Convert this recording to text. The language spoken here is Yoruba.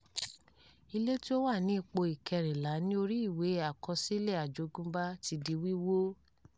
Ilé tí ó wà ní ipò.14 ní orí ìwé àkọsílẹ̀ àjogúnbá ti di wíwó.